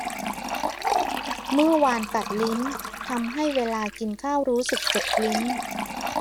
เมื่อวานกัดลิ้นทำให้เวลากินข้าวรู้สึกเจ็บลิ้น